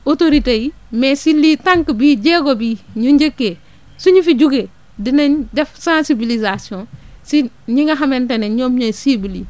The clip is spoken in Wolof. autorités yi mais si lii tant que bii jéego bii ñu njëkkee suñu fi jugee dinañ def sensibilisation si ñi nga xamante ne ñoom ñooy cibles yi